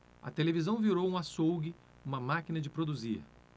a televisão virou um açougue uma máquina de produzir